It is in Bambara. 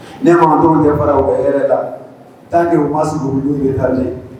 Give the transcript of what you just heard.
Ne ma dɔw kɛ fara wɛrɛ yɛrɛ la t'a kɛ wa sigi olu' ye ha